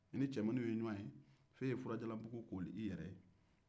i ni cemannin ye ɲɔgɔn ye f'e ye furajalanbugu koori i yɛrɛ ye